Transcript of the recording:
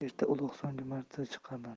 ertaga uloqqa so'nggi marta chiqaman